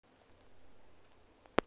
я уже это понял ты даже хуже алисы на яндексе